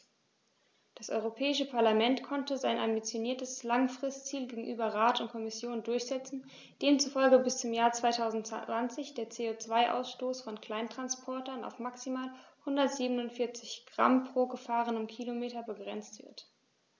Das Europäische Parlament konnte sein ambitioniertes Langfristziel gegenüber Rat und Kommission durchsetzen, demzufolge bis zum Jahr 2020 der CO2-Ausstoß von Kleinsttransportern auf maximal 147 Gramm pro gefahrenem Kilometer begrenzt wird.